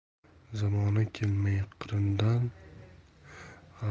zamona kelmay qirindan